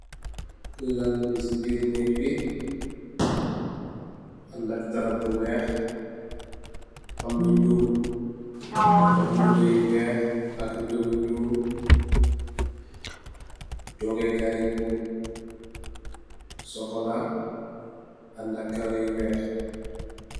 Lal be se birr neek bi andak darab bu weex am lu nuul am redou yu week ak redou bu nuul tongue kaye bu sukola andak karou yu weex.